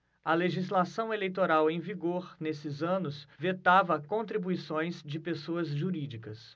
a legislação eleitoral em vigor nesses anos vetava contribuições de pessoas jurídicas